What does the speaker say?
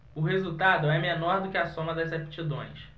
o resultado é menor do que a soma das aptidões